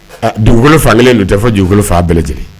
Dugukolo fagakelen tun tɛ fɔ dugukolo fan bɛɛ lajɛlen